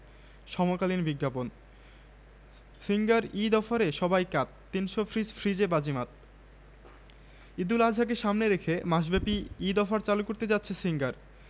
সমকালীন বিজ্ঞাপন সিঙ্গার ঈদ অফারে সবাই কাত ৩০০ ফ্রি ফ্রিজে বাজিমাত ঈদুল আজহাকে সামনে রেখে মাসব্যাপী ঈদ অফার চালু করতে যাচ্ছে সিঙ্গার